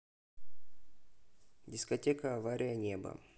дискотека авария небо